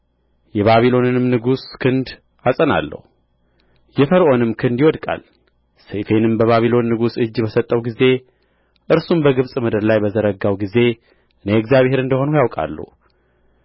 የባቢሎንንም ንጉሥ ክንድ አጸናለሁ የፈርዖንም ክንድ ይወድቃል ሰይፌንም በባቢሎን ንጉሥ እጅ በሰጠሁ ጊዜ እርሱም በግብጽ ምድር ላይ በዘረጋው ጊዜ እኔ እግዚአብሔር እንደ ሆንሁ ያውቃሉ